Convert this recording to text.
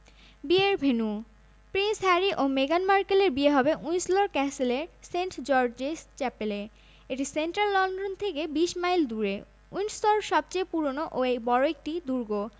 বিয়ের venue Prince Harry ও মেগান মার্কেলের বিয়ে হবে উইন্ডসর ক্যাসেলের সেন্ট জর্জেস চ্যাপেলে এটি সেন্ট্রাল লন্ডন থেকে ২০ মাইল দূরে উইন্ডসর সবচেয়ে পুরোনো ও বড় একটি দুর্গ